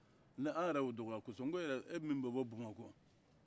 an yɛrɛ y'o dɔgɔya kosɛbɛ n ko yɛrɛ e min yɛrɛ bɛ bɔ bamakɔ